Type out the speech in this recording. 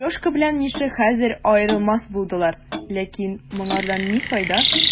Сережка белән Миша хәзер аерылмас булдылар, ләкин моңардан ни файда?